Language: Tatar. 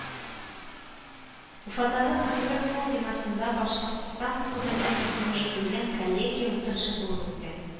Уфадагы Конгресс-холл бинасында Башкортстан хөкүмәтенең киңәйтелгән коллегия утырышы булып үтте